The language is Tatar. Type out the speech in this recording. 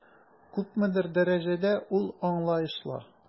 Күпмедер дәрәҗәдә ул аңлаешлы.